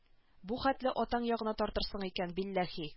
Бу хәтле атаң ягына тартырсың икән билләһи